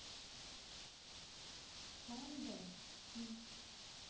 панда сим